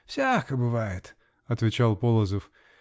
-- Всяко бывает, -- отвечал Полозов.